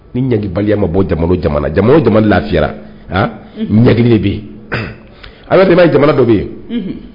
Ni ɲadibaliya ma bɔo jamuja jamana lafira ɲa bɛ a jamana dɔ bɛ yen